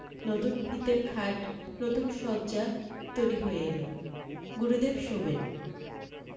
নতুন ফিতের খাট নতুন শয্যা তৈরি হয়ে এলো গুরুদেব শোবেন